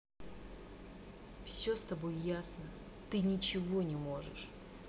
все с тобой ясно ты ничего не можешь